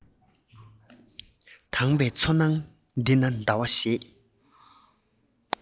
དྭངས པའི མཚོ ནང འདི ན ཟླ བ ཞེས